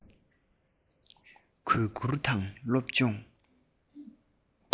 གུས བཀུར དང སློབ སྦྱོང